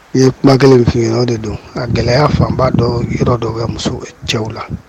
N ye kuma kelen min fɛ yen o de don a gɛlɛyaya fanba dɔn yɔrɔ dɔ bɛ muso cɛw la